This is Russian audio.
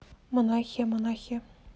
монахия монахия